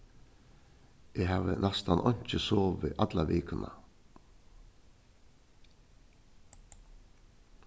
eg havi næstan einki sovið alla vikuna